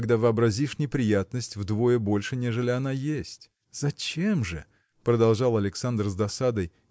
когда вообразишь неприятность вдвое больше нежели она есть. – Зачем же – продолжал Александр с досадой